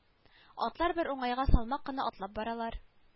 Атлар бер уңайга салмак кына атлап баралар